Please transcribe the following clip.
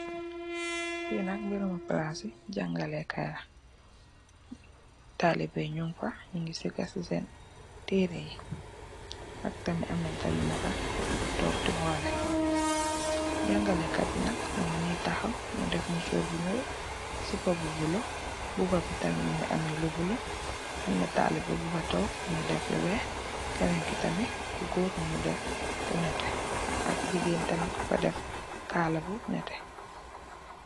Fee nak bereme plase jagalekay la talibeh ye nugfa nuge sega sen tereh ye ak tamin amnen tamin nufa tonke de holeh jagaleh kat be nak muge nee tahaw mu def musorr bu nuul sepa bu bulo muba be tam muge ameh lu bulo amna talibeh bufa tonke muge def lu weex kenen ke tamin ku goor muge def lu neteh ak jegain tamin kufa def kala bu neteh.